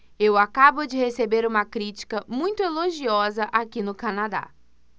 eu acabo de receber uma crítica muito elogiosa aqui no canadá